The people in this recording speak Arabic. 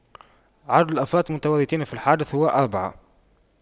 عدد الأفراد المتورطين في الحادث هو أربعة